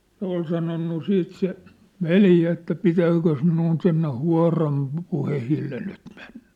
se oli sanonut sitten se veli että pitääkös minun sinne huoran - puheille nyt mennä